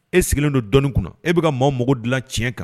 E sigilen don dɔɔni kan , e bi ka maaw mako dilan tiɲɛ kan.